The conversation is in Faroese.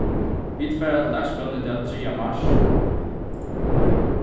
vit fara til dagsskránna í dag triðja mars